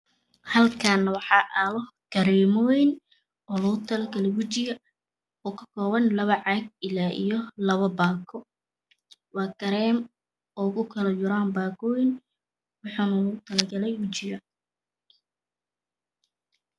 Halkaane waxa aalo karemoyin oo lu tal galay wajiga oo ka koban labo caag ilaa iyo labo bako waa Kareem o ugu kala jiraan bakoyin waxana lagu tal galay wajiga